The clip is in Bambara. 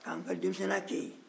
ka n ka denmisɛnninya kɛ yen